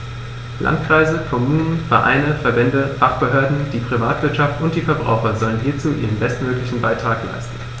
Landkreise, Kommunen, Vereine, Verbände, Fachbehörden, die Privatwirtschaft und die Verbraucher sollen hierzu ihren bestmöglichen Beitrag leisten.